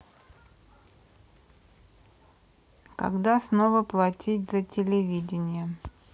когда снова платить за телевидение